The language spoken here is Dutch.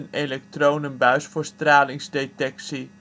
elektronenbuis voor stralingsdetectie